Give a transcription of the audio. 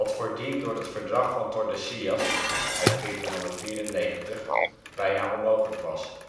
voordien door het verdrag van Tordesillas (1494) bijna onmogelijk was